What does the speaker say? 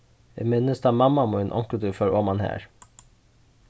eg minnist at mamma mín onkuntíð fór oman har